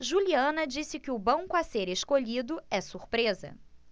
juliana disse que o banco a ser escolhido é surpresa